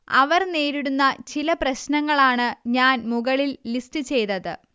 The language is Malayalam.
അവർ നേരിടുന്ന ചില പ്രശ്നങ്ങൾ ആണ് ഞാൻ മുകളിൽ ലിസ്റ്റ് ചെയ്തത്